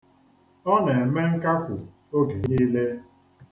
O na-eme nkakwu oge niile.